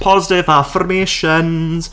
Positive affirmations!